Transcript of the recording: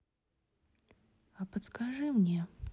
а подскажи мне